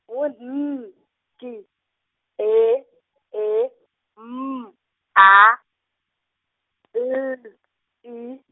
ngo N, G E E M A, L I.